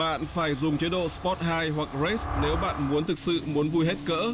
bạn phải dùng chế độ sờ pót hai hoặc rết nếu bạn muốn thực sự muốn vui hết cỡ